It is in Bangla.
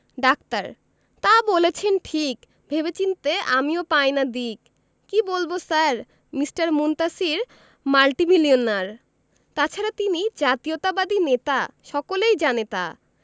ডাক্তার তা বলেছেন ঠিক ভেবে চিন্তে আমিও পাই না দিক কি বলব স্যার মিঃ মুনতাসীর মাল্টিমিলিওনার তাছাড়া তিনি জাতীয়তাবাদী নেতা সকলেই জানে তা